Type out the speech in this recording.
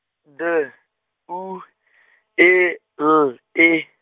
D, U , E, L, E.